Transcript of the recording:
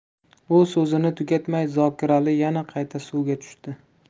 u so'zini tugatmay zokirali yana qayta suvga tushdi